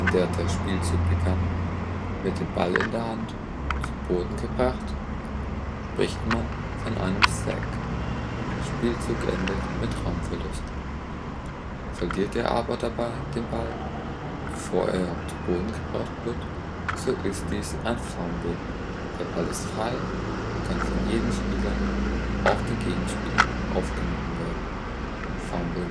der der Spielzug begann, mit dem Ball in der Hand zu Boden gebracht, spricht man von einen Sack und der Spielzug endet mit Raumverlust. Verliert er aber dabei den Ball, bevor er zu Boden gebracht wird, so ist dies ein Fumble, der Ball ist frei und kann von jedem Spieler, auch den Gegenspielern aufgenommen werden (Fumble Recovery